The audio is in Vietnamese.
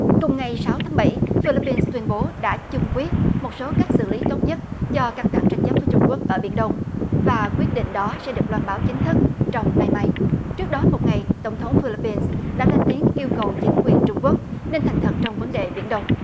cùng ngày sáu tháng bảy phi líp pin tuyên bố đã chung quyết một số cách xử lý tốt nhất cho căng thẳng tranh chấp với trung quốc ở biển đông và quyết định đó sẽ được loan báo chính thức trong nay mai trước đó một ngày tổng thống phi líp pin đã lên tiếng yêu cầu chính quyền trung quốc nên thành thật trong vấn đề biển đông